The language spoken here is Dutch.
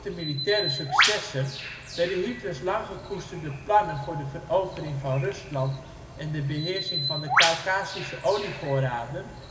militaire successen werden Hitlers langgekoesterde plannen voor de verovering van Rusland en de beheersing van de Kaukasische olievoorraden